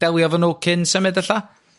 delio 'fo n'w cyn symud ella?